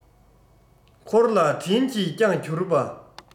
འཁོར ལ དྲིན གྱིས བསྐྱངས གྱུར པ